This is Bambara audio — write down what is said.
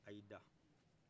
a y' i da